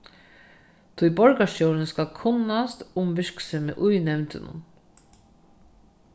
tí borgarstjórin skal kunnast um virksemið í nevndunum